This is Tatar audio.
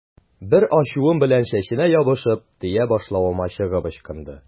Бар ачуым белән чәченә ябышып, төя башлавыма чыгып ычкынды.